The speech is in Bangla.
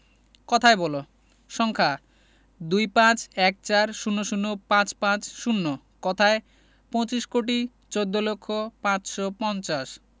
কথায় বলঃ সংখ্যাঃ ২৫ ১৪ ০০ ৫৫০ কথায়ঃ পঁচিশ কোটি চৌদ্দ লক্ষ পাঁচশো পঞ্চাশ